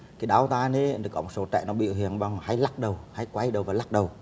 thì đau tai ni thì có một số trẻ có biểu hiện bằng hay lắc đầu hay quay đầu và lắc đầu